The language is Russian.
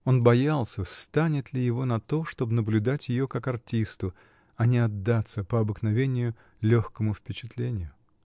Он боялся, станет ли его на то, чтоб наблюдать ее как артисту, а не отдаться, по обыкновению, легкому впечатлению?